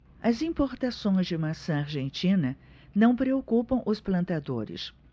as importações de maçã argentina não preocupam os plantadores